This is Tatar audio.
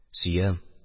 Сөям.